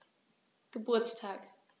Geburtstag